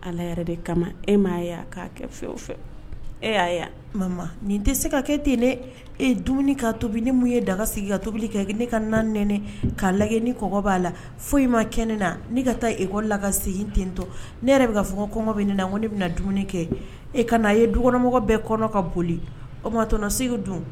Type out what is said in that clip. Ala de kama e m ma'a kɛ fɛ fɛ e y'a mama nin tɛ se ka kɛ ten ne e dumuni ka tobi ni mun ye daga sigi ka tobili kɛ ne ka na n ne'a la ni kɔgɔ b'a la fo i ma kɛ ne na ne ka taa ekɔ la ka segin tentɔ ne yɛrɛ bɛ ka fɔ kɔngɔ bɛ ne na ko ne bɛna na dumuni kɛ e ka ye dukɔnɔmɔgɔ bɛɛ kɔnɔgɔ ka boli ot segu dun